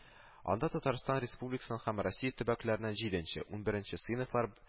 Анда Татарстан Республикасының һәм Россия төбәкләренә жиденче - унберенче сыйныфлар